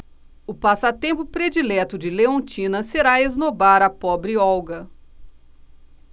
o passatempo predileto de leontina será esnobar a pobre olga